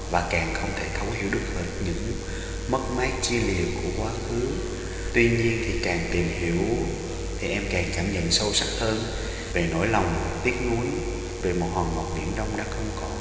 và càng không thể thấu hiểu được những mất mát chia lìa của quá khứ tuy nhiên thì càng tìm hiểu thì em càng cảm nhận sâu sắc hơn về nỗi lòng tiếc nuối về một hòn ngọc viễn đông đã không còn